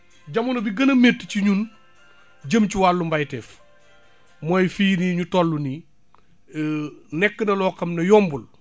jamono bi gën a métti ci ñun jëm ci wàllum mbayteef mooy fii nii ñu toll nii nekk na loo xam ne yombul